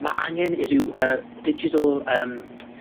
...ma. angen i ryw yy digital yym,